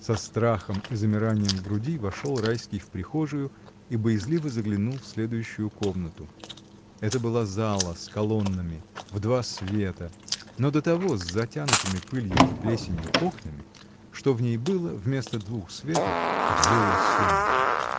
Со страхом и замиранием в груди вошел Райский в прихожую и боязливо заглянул в следующую комнату: это была зала с колоннами, в два света, но до того с затянутыми пылью и плесенью окнами, что в ней было вместо двух светов двое сумерек.